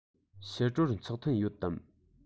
ཕྱི དྲོར ཚོགས ཐུན ཡོད དམ